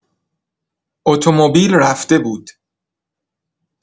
اتومبیل رفته بود.